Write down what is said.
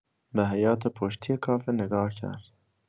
به حیاط پشتی کافه نگاه کرد.